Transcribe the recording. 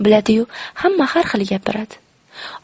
biladi yu hamma har xil gapiradi